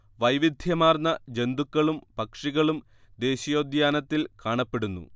വൈവിധ്യമാർന്ന ജന്തുക്കളും പക്ഷികളും ദേശീയോദ്യാനത്തിൽ കാണപ്പെടുന്നു